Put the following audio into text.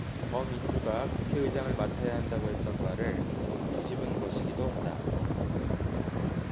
더민주가 국회의장을 맡아야 한다고 했던 말을 뒤집은 것이기도 하다